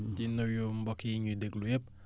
di nuyu mbokki yi ñuy déglu yëpp